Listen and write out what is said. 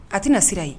A tɛna na sira yen